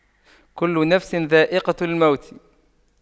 كُلُّ نَفسٍ ذَائِقَةُ المَوتِ